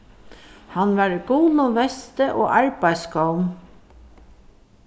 hann var í gulum vesti og arbeiðsskóm